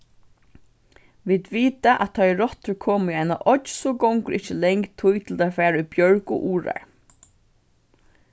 vit vita at tá ið rottur koma í eina oyggj so gongur ikki lang tíð til tær fara í bjørg og urðar